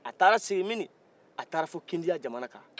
a taara sigi minin a taara fo kindeya jamana kan